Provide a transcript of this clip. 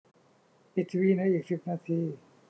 ปิดทีวีในอีกสิบนาที